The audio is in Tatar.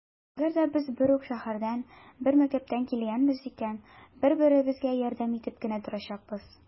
Әгәр дә без бер үк шәһәрдән, бер мәктәптән килгәнбез икән, бер-беребезгә ярдәм итеп кенә торачакбыз.